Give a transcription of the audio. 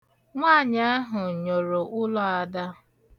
Nwaanyị ahụ nyoro ụlọ Ada.